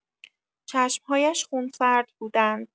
چشم‌هایش خونسرد بودند.